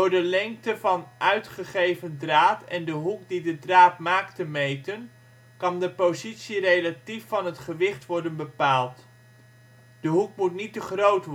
de lengte van uitgegeven draad en de hoek die de draad maakt te meten, kan de positie relatief van het gewicht worden bepaald. De hoek moet niet te groot worden